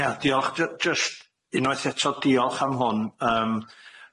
Ia diolch j- jyst unwaith eto diolch am hwn yym